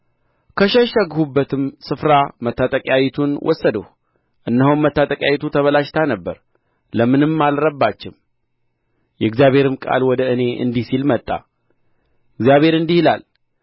ከሸሸግሁበትም ስፍራ መታጠቂያይቱን ወሰድሁ እነሆም መታጠቂያይቱ ተበላሽታ ነበር ለምንም አልረባችም የእግዚአብሔርም ቃል ወደ እኔ እንዲህ ሲል መጣ እግዚአብሔር እንዲህ ይላል